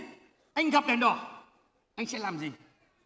anh gặp đèn đỏ anh sẽ làm gì